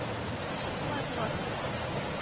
Ничек болай була соң бу